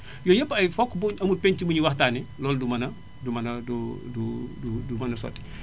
yooyu yépp ay fokk buñu amul penc bu ñuy waxtaanee loolu du mën a du mën a du du du du du mën a sotti